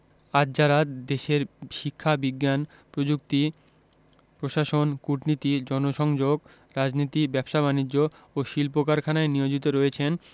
আজ যাঁরা দেশের শিক্ষা বিজ্ঞান প্রযুক্তি প্রশাসন কূটনীতি জনসংযোগ রাজনীতি ব্যবসা বাণিজ্য ও শিল্প কারখানায় নিয়োজিত রয়েছেন